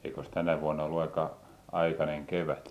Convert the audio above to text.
eikös tänä vuonna ollut aika aikainen kevät